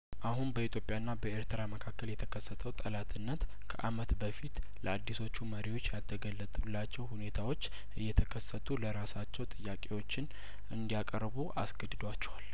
አሁን በኢትዮጵያና በኤርትራ መካከል የተከሰተው ጠላትነት ከአመት በፊት ለአዲሶቹ መሪዎች ያልተገለጡላቸው ሁኔታዎች እየተከሰቱ ለራሳቸው ጥያቄዎችን እንዲያቀርቡ አስገድዷቸዋል